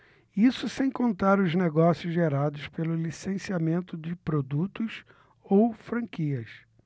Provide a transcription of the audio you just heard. isso sem contar os negócios gerados pelo licenciamento de produtos ou franquias